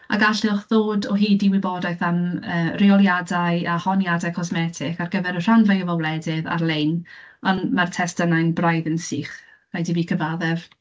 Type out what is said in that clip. A gallwch ddod o hyd i wybodaeth am, yy, reoliadau a honiadau cosmetig ar gyfer y rhan fwyaf o wledydd ar-lein, ond mae'r testunau'n braidd yn sych, rhaid i fi cyfaddef.